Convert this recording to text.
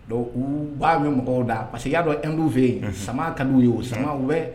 Don u b'a min mɔgɔw da parce que y'a dɔn n'u fɛ yen sama kau ye o sama bɛ